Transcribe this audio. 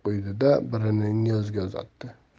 quydi da birini niyozga uzatdi